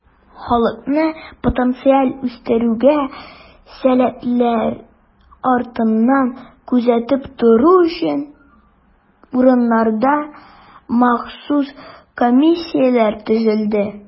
Халыкны потенциаль үстерүгә сәләтлеләр артыннан күзәтеп тору өчен, урыннарда махсус комиссияләр төзелде.